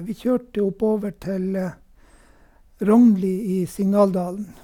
Vi kjørte oppover til Rognli i Signaldalen.